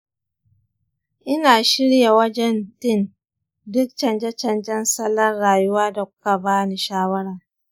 ina shirye wajen din duk canje-canjen salon rayuwa da kuka ba ni shawara.